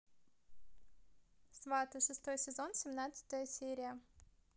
сваты шестой сезон семнадцатая серия